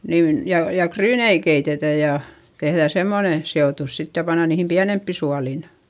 niin ja ja ryynejä keitetään ja tehdään semmoinen seotus sitten ja pannaan niihin pienempiin suoliin